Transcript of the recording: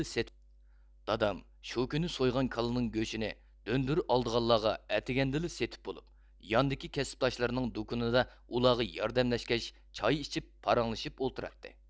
دادام شۇ كۈنى سويغان كالىنىڭ گۆشىنى دۆندۈر ئالدىغانلارغا ئەتىگەندىلا سېتىپ بولۇپ ياندىكى كەسىپداشلىرىنىڭ دۇكىنىدا ئۇلارغا ياردەملەشكەچ چاي ئىچىپ پاراڭلىشىپ ئولتۇراتتى